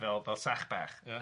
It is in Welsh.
fel fel sach bach...Ia.